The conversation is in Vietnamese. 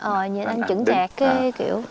ờ nhìn anh chững trạc cái kiểu